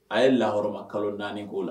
A ye laha kalo naani' la